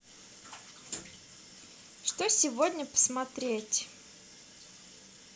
что сегодня посмотреть